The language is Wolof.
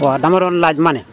waaw dama doon laaj ma ne